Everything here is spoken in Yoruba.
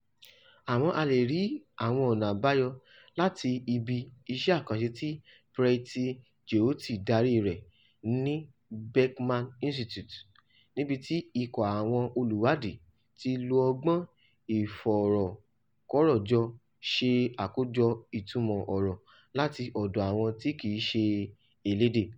Àmọ̀ a lè rí àwọn ọ̀nà àbáyọ láti ibi iṣẹ́ àkànṣe tí Preethi Jyothi darí rẹ̀ ní Beckman Institute, níbi tí ikọ̀ àwọn olùwádìí ti lo ọgbọ́n ìfèròkọ́rọ̀jọ ṣe àkójọpọ̀ ìtumọ̀ ọ̀rọ̀ láti ọ̀dọ̀ àwọn tí kìí ṣe elédè.